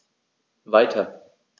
Weiter.